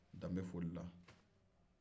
dan bɛ foli la